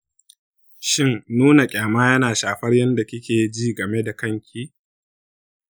shin nuna ƙyama yana shafar yanda kike ji game da kanki?